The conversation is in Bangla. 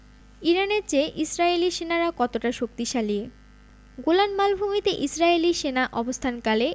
ইরানের চেয়ে ইসরায়েলি সেনারা কতটা শক্তিশালী গোলান মালভূমিতে ইসরায়েলি সেনা অবস্থানকালে